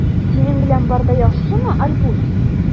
Синең белән бар да яхшымы, Альбус?